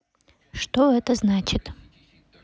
что это значит